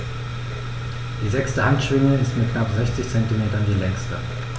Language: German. Die sechste Handschwinge ist mit knapp 60 cm die längste.